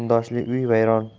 kundoshli uy vayron